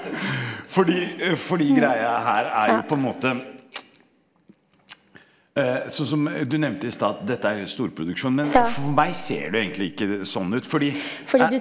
fordi fordi greia her er jo på en måte sånn som du nevnte i sta at dette er jo storproduksjon, men for meg ser det egentlig ikke sånn ut fordi.